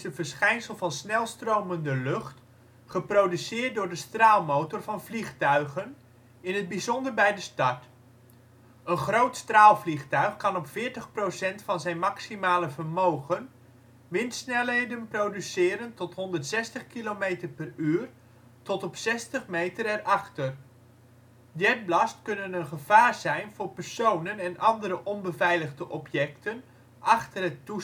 verschijnsel van snel stromende lucht geproduceerd door de straalmotor van vliegtuigen, in het bijzonder bij de start. Een groot straalvliegtuig kan op 40 % van zijn maximale vermogen windsnelheden produceren tot 160 km/h tot op 60 meter erachter. Jet blasts kunnen een gevaar zijn voor personen en andere onbeveiligde objecten achter het toestel